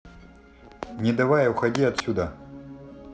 не давай уходи отсюда